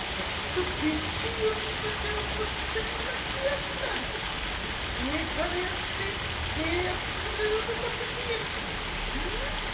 একটু বেশিই অত্যাচার করছেন নাকি আপনারা এ ঘরে আসতে কে আপনাদের অনুমতি দিয়েছে হু